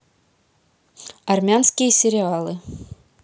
армянские сериалы